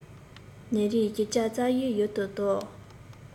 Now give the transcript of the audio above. ནད རིམས བཞི བརྒྱ རྩ བཞི ཡུལ དུ བཟློག